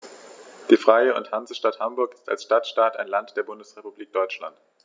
Die Freie und Hansestadt Hamburg ist als Stadtstaat ein Land der Bundesrepublik Deutschland.